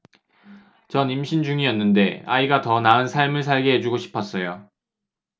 전 임신 중이었는데 아이가 더 나은 삶을 살게 해 주고 싶었어요